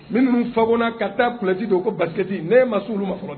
Minnu fako na ka taalɛti don o ko basiti ne ma sun ma fɔlɔ